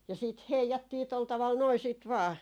ja sitten heijattiin tuolla tavalla noin sitten vain